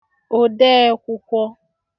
òdeēkwụ̄kwō